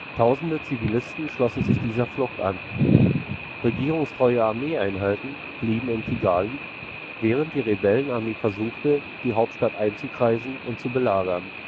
Tausende Zivilisten schlossen sich dieser Flucht an. Regierungstreue Armeeeinheiten blieben in Kigali, während die Rebellenarmee versuchte, die Hauptstadt einzukreisen und zu belagern